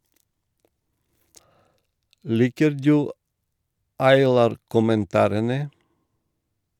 Liker du Aylar-kommentarene?